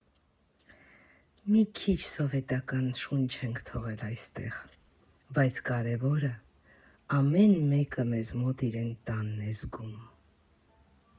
Մի քիչ սովետական շունչ ենք թողել այստեղ, բայց կարևորը՝ ամեն մեկը մեզ մոտ իրեն տանն է զգում։